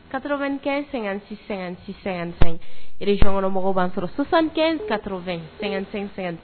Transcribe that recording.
Karo2-- resonɔnkɔrɔmɔgɔw b'a sɔrɔ sisansan karo2---